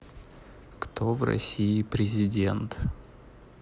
кто в россии президент